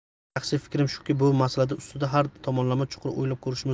mening shaxsiy fikrim shuki bu masala ustida har tomonlama chuqur o'ylab ko'rish lozim